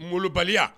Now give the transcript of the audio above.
Molobaliya